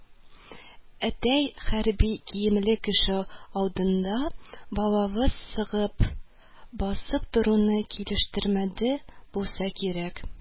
Әтәй, хәрби киемле кеше алдында балавыз сыгып басып торуны килештермәде булса кирәк: